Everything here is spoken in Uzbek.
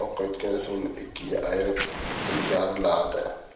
oqayotgan suvni ikkiga ayirib ilgariladi